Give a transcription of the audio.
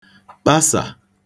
kpasà